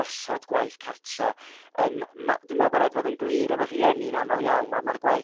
gosod gwaith cartra yym ma' dwi me'l ma' rhaid fod yn glir efo rhieni'n amal iawn. Wel ma'r gwaith